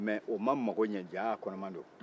mɛ o ma mago ɲɛ jaa a kɔnɔman don